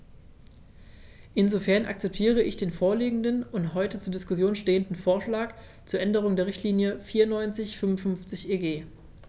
Insofern akzeptiere ich den vorliegenden und heute zur Diskussion stehenden Vorschlag zur Änderung der Richtlinie 94/55/EG.